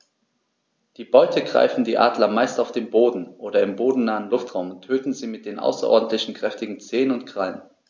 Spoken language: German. Die Beute greifen die Adler meist auf dem Boden oder im bodennahen Luftraum und töten sie mit den außerordentlich kräftigen Zehen und Krallen.